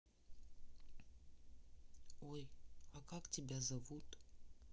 ой а как тебя зовут